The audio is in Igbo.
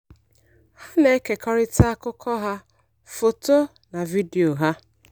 Ha na-ekekọrịta akụkọ ha, foto na vidio ha.